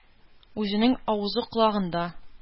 Үзенең авызы колагында.